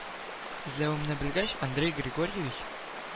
Эзләвемне белгәч, андрей григорьевич